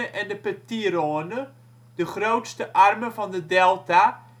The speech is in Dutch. en de Petit-Rhône, de grootste armen van de delta